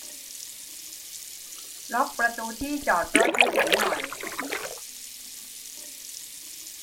ล็อกประตูที่จอดรถให้ฉันหน่อย